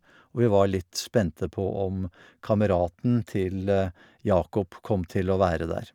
Og vi var litt spente på om kameraten til Jacob kom til å være der.